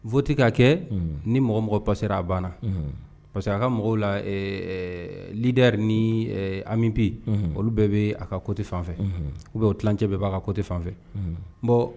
Ti kaa kɛ ni mɔgɔ mɔgɔ pasera a banna parce que a ka mɔgɔw lalidiri ni anmi bi olu bɛɛ bɛ a ka koti fan fɛ u bɛ ticɛ b'a ka kotɛ fan fɛ bon